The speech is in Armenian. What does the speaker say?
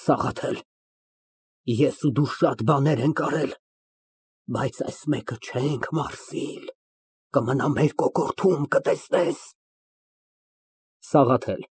Սաղաթել, ես ու դու շատ բաներ ենք արել, բայց այս մեկը չենք մարսիլ, կմնա մեր կոկորդում, կտեսնես… ՍԱՂԱԹԵԼ ֊